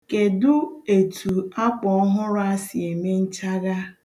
Kedu etu akwa ọhụrụ a si eme nchagha?